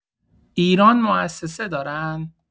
ایران موسسه دارن؟